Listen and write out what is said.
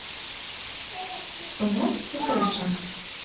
у нас все хорошо